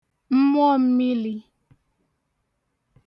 mmụọmmili